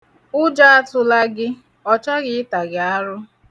Ụjọ atụla gị, ọ chọghị ịta gị arụ.